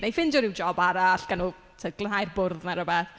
Wna i ffeindio rhyw jòb arall, gawn nhw tibod glanhau'r bwrdd neu rhywbeth.